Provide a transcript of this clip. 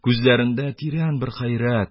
Күзләрендә тирән бер хәйрәт,